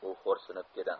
u xo'rsinib dedi